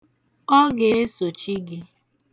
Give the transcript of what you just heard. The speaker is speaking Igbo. Ọ ga-esochi gị.